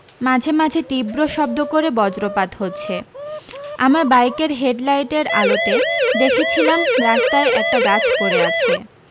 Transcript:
মাঝে মাঝে তীব্র শব্দ করে বজ্রপাত হচ্ছে আমার বাইকের হেড লাইটের আলোতে দেখেছিলাম রাস্তায় একটা গাছ পড়ে আছে